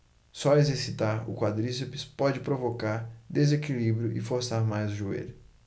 só exercitar o quadríceps pode provocar desequilíbrio e forçar mais o joelho